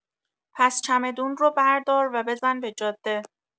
پس چمدون رو بردار و بزن به جاده!